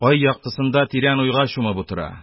Ай яктысында тирән уйга чумып утыра...